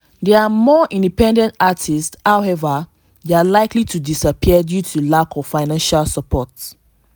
“There are more independent artists, however they are likely to disappear due to lack of financial support.”